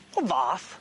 O fath.